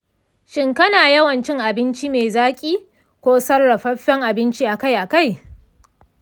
shin kana yawan cin abinci mai zaƙi ko sarrafaffen abinci akai-akai?